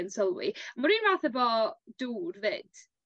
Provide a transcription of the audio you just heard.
yn sylwi ma'r un fath efo dŵr 'fyt....